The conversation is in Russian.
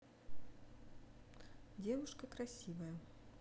девушка красивая